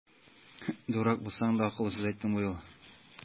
Дурак булсаң да, акыллы сүз әйттең бу юлы!